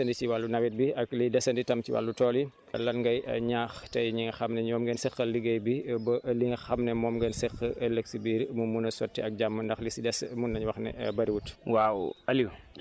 Naar Diagne tey li desandi si wàllu nawet bi ak li desandi tam si wàllu tool yi lan ngay ñaax tey ñi nga xam ne ñoom lañ seqal liggéey bi ba li nga xam ne moom ngeen seq ëllëg si biir mu mun a sotti ak jàmm ndax li si des mun nañu wax ne bëriwul